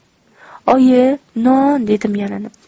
oyi i non dedim yalinib